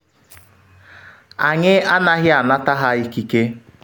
“Anyị anaghị anata ha ikike.”